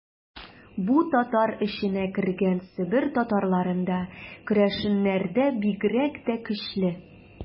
Бу татар эченә кергән Себер татарларында, керәшеннәрдә бигрәк тә көчле.